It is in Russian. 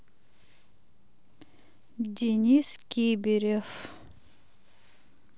денис кибирев